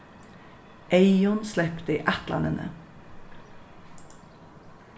eyðun slepti ætlanini